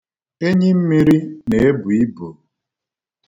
Enyimmiri na-ebu ibu.